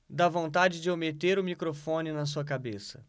dá vontade de eu meter o microfone na sua cabeça